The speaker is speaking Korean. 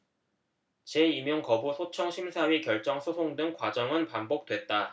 재임용 거부 소청 심사위 결정 소송 등 과정은 반복됐다